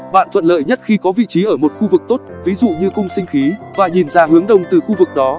bạn thuận lợi nhất khi có vị trí ở một khu vực tốt và nhìn ra hướng đông từ khu vực đó